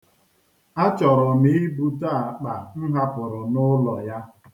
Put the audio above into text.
A chọrọ m ibute akpa m hapụrụ n'ụlọ ya.